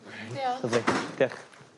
Diolch. Dioch.